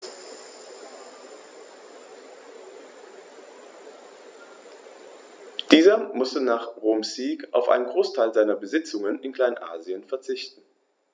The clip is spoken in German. Dieser musste nach Roms Sieg auf einen Großteil seiner Besitzungen in Kleinasien verzichten.